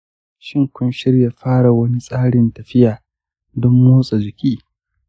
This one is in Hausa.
shin kun shirya fara wani tsarin tafiya don motsa-jiki?